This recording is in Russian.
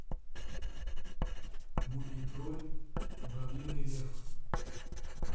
мумий тролль муравьиный лев